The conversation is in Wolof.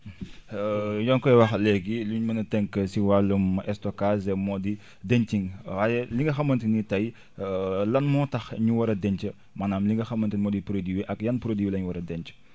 yaa ngi koy wax léegi luñ mën a tënk si wàllum stockage moo di dencin waaye li nga xamante ni tey lan moo tax ñu war a denc maanaam li nga xamante ni moo di produit bi ak yan produits lañ war a denc